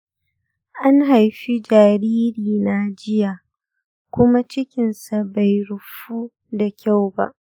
an haifi jariri na jiya kuma cikinsa bai rufu da kyau ba.